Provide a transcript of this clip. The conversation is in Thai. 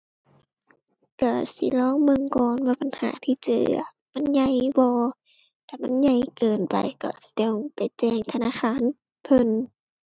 ก็สิลองเบิ่งก่อนว่าปัญหาที่เจออะมันใหญ่บ่ ถ้ามันใหญ่เกินไปก็สิต้องไปแจ้งธนาคารเพิ่น